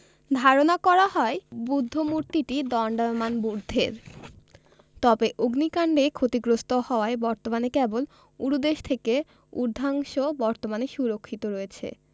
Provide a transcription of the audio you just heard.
ধারণা করা হয় বুদ্ধমূর্তিটি দন্ডায়মান বুদ্ধের তবে অগ্নিকান্ডে ক্ষতিগ্রস্থ হওয়ায় বর্তমানে কেবল উরুদেশ থেকে উর্ধ্বাংশ বর্তমানে সুরক্ষিত রয়েছে